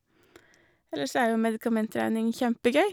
Ellers så er jo medikamentregning kjempegøy.